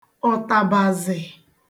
ụ̀tàbàzị̀